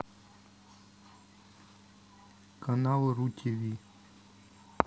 канал ру тв